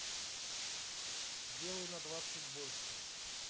сделай на двадцать больше